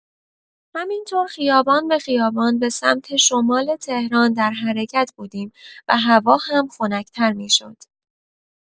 همین‌طور خیابان به خیابان به سمت شمال تهران در حرکت بودیم و هوا هم خنک‌تر می‌شد.